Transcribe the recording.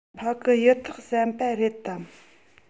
ཕ གི གཡུ ཐོག ཟམ པ རེད དམ